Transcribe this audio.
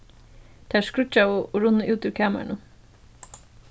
tær skríggjaðu og runnu út úr kamarinum